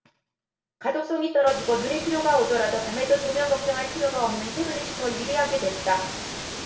가독성이 떨어지고 눈의 피로가 오더라도 밤에도 조명 걱정할 필요가 없는 태블릿이 더 유리하게 됐다